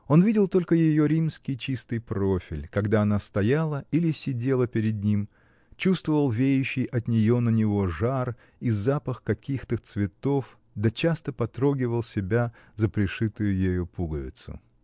Он видел только ее римский чистый профиль, когда она стояла или сидела перед ним, чувствовал веющий от нее на него жар и запах каких-то цветов, да часто потрогивал себя за пришитую ею пуговицу.